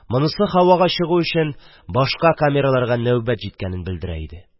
Монысы һавага чыгу өчен башка камераларга нәүбәт җиткәнне белдерә иде.